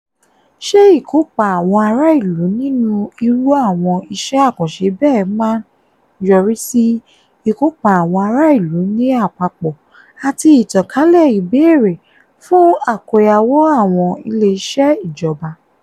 Ṣe ìkòpa àwọn ará-ìlú nínú irú àwọn iṣẹ́ àkànṣe bẹ́ẹ̀ máa ń yọrí sí ìkópa àwọn ará-ìlú ní àpapọ̀ àti ìtànkálẹ̀ ìbéèrè fún àkóyawọ́ àwọn ilé-iṣẹ́ ìjọba?